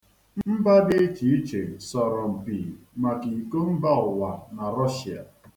Mba dị iche iche sọrọ mpi maka iko mba ụwa na Rọshịa.